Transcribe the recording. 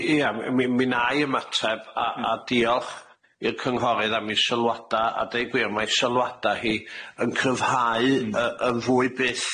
Ia, m- mi mi na i ymateb, a a diolch i'r Cynghorydd am ei sylwada. A deud gwir, mae 'i sylwada hi yn cryfhau yy yn fwy byth